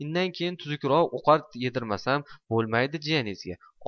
innaykeyin tuzukroq ovqat yedirmasam bo'lmaydi jiyanizga